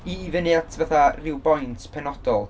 i fyny at fatha, rhyw boint penodol...